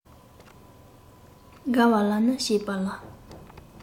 དགའ བ ལ ནི སྐྱིད པ ལ